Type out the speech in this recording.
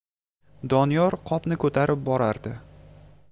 doniyor qopni ko'tarib borardi